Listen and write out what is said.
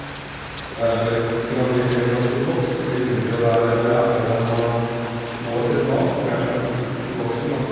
Eller, s ikke en labyrint, egentlig så var det en stor boks som de gikk rundt i, og der lærte dem å gå etter mat som jeg slapp oppi oppi boksen, da.